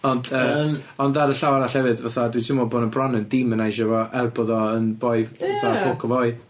Ond yy yym ond ar y llaw arall hefyd fatha dwi teimlo bo' n'w bron yn demonisio fo er bod o yn boi fatha ffwc o foi.